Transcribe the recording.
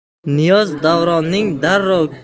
niyoz davronning darrov